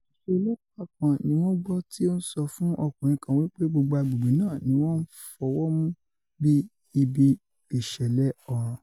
Òṣìṣẹ́ ọlọ́ọ̀pá kan ni wọn gbọ́ tí ó ńsọ fún ọkùnrin kan wí pé gbogbo agbègbè náà ni wọn ńfọwọ́ mú bíi ibi ìṣẹ̀lẹ̀ ọ̀ràn.